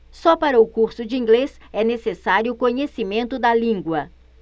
só para o curso de inglês é necessário conhecimento da língua